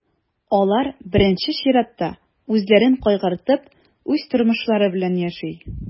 Алар, беренче чиратта, үзләрен кайгыртып, үз тормышлары белән яши.